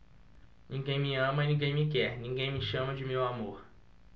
ninguém me ama ninguém me quer ninguém me chama de meu amor